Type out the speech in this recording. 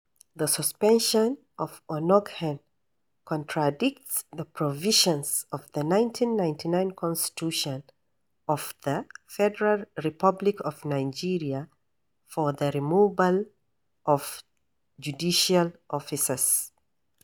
The suspension of Onnoghen contradicts the provisions of the 1999 Constitution of the Federal Republic of Nigeria for the removal of judicial officers.